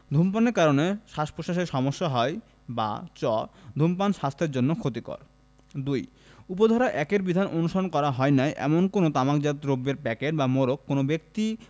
ধূমপানের কারণে শ্বাসপ্রশ্বাসের সমস্যা হয় বা চ ধূমপান স্বাস্থ্যের জন্য ক্ষতিকর ২ উপ ধারা ১ এর বিধান অনুসরণ করা হয় নাই এমন কোন তামাকজাত দ্রব্যের প্যাকেট বা মোড়ক কোন ব্যক্তি